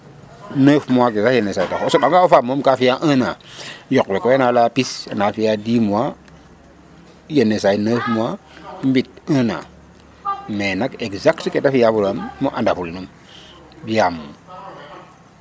9 mois ke sax yenisaay ta xup o soɓanga o faam moom ka fiya 1 ans, Yoq we koy anaa laya pis anaa fi'aa 10 mois yenisaay 9 mmois mbit 1 ans mais nak exacte fe ta fi'an mi andofulinum .Yam